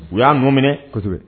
U y'a n nɔ minɛ kosɛbɛ